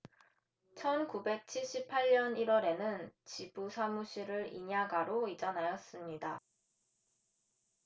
천 구백 칠십 팔 년 일 월에는 지부 사무실을 인야 가로 이전하였습니다